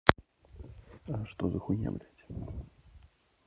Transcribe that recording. че за хуйня блять